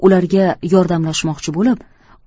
ularga yordamlashmoqchi bo'lib